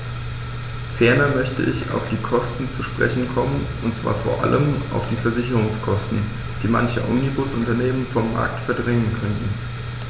Ferner möchte ich auf die Kosten zu sprechen kommen, und zwar vor allem auf die Versicherungskosten, die manche Omnibusunternehmen vom Markt verdrängen könnten.